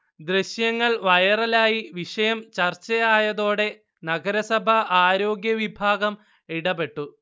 ദൃശ്യങ്ങൾ വൈറലായി വിഷയം ചർച്ചയായതോടെ നഗരസഭാ ആരോഗ്യവിഭാഗം ഇടപെട്ടു